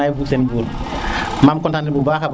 kon mafiy sen buur mangi content bu baaxa baax